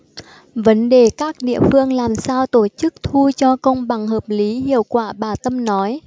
vấn đề các địa phương làm sao tổ chức thu cho công bằng hợp lý hiệu quả bà tâm nói